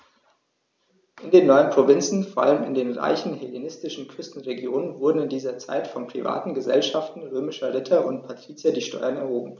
In den neuen Provinzen, vor allem in den reichen hellenistischen Küstenregionen, wurden in dieser Zeit von privaten „Gesellschaften“ römischer Ritter und Patrizier die Steuern erhoben.